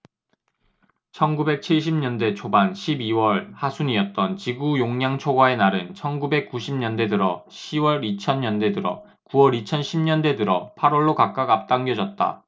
천 구백 칠십 년대 초반 십 이 월 하순이었던 지구 용량 초과의 날은 천 구백 구십 년대 들어 시 월 이천 년대 들어 구 월 이천 십 년대 들어 팔 월로 각각 앞당겨졌다